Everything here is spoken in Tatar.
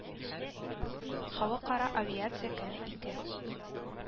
Халыкара авиация көне ике